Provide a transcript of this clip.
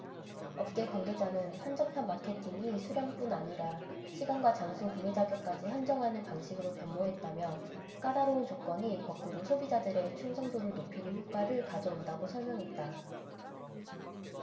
업계 관계자는 한정판 마케팅이 수량뿐 아니라 시간과 장소 구매자격까지 한정하는 방식으로 변모했다며 까다로운 조건이 거꾸로 소비자들의 충성도를 높이는 효과를 가져온다고 설명했다